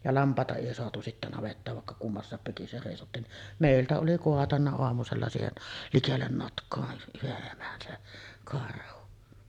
ja lampaita ei saatu sitten navettaan vaikka kummassakin seisottiin niin meiltä oli kaatanut aamusella siihen likelle notkoa yhden emän se karhu